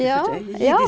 ja ja.